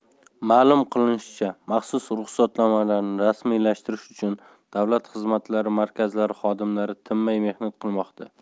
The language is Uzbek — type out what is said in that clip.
ma'lum qilinishicha maxsus ruxsatnomalarni rasmiylashtirish uchun davlat xizmatlari markazlari xodimlari tinmay mehnat qilmoqda